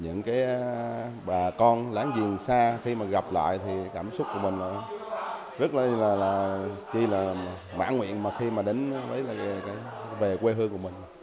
những cái a bà con láng giềng xa khi mà gặp lại thì cảm xúc của mình nó rất là là đi là mãn nguyện mà khi mà đến với cái về quê hương của mình